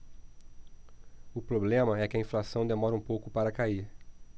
o problema é que a inflação demora um pouco para cair